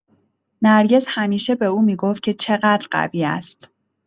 نرگس همیشه به او می‌گفت که چقدر قوی است.